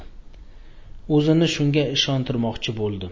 o'zini shunga ishontirmochchi bo'ldi